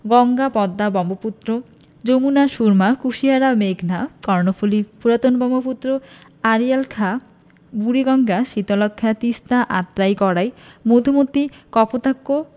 গঙ্গা পদ্মা ব্রহ্মপুত্র যমুনা সুরমা কুশিয়ারা মেঘনা কর্ণফুলি পুরাতন ব্রহ্মপুত্র আড়িয়াল খাঁ বুড়িগঙ্গা শীতলক্ষ্যা তিস্তা আত্রাই গড়াই মধুমতি কপোতাক্ষ